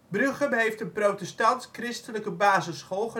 Bruchem heeft één basisschool